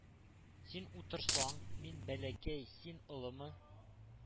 Син утырсаң, мин бәләкәй, син олымы?